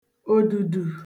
òdùdù